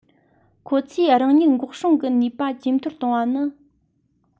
ཁོ ཚོའི རང ཉིད འགོག སྲུང གི ནུས པ ཇེ མཐོར གཏོང བ ནི